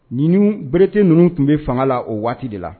Ɲin berete ninnu tun bɛ fanga la o waati de la